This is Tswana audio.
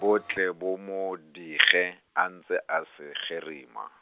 bo tle bo mo dige, a ntse a se gerima.